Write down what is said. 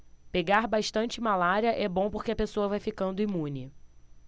pegar bastante malária é bom porque a pessoa vai ficando imune